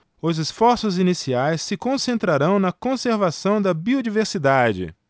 os esforços iniciais se concentrarão na conservação da biodiversidade